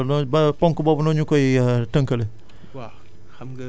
jachère donc ba nooy ponk boobu nooñu koy tënkalee